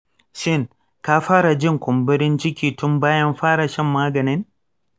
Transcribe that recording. shin ka fara jin kumburin ciki tun bayan fara shan maganin?